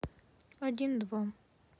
один два